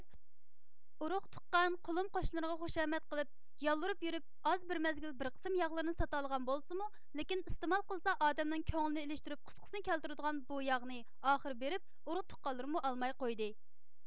ئۇرۇق تۇغقان قولۇم قوشنىلىرىغا خۇشامەت قىلىپ يالۋۇرۇپ يۈرۈپ ئاز بىر مەزگىل بىر قىسىم ياغلىرىنى ساتالىغان بولسىمۇ لېكىن ئىستېمال قىلسا ئادەمنىڭ كۆڭلىنى ئېلىشتۇرۇپ قۇسقىسىنى كەلتۈرىدىغان بۇ ياغنى ئاخىر بېرىپ ئۇرۇق تۇغقانلىرىمۇ ئالماي قويدى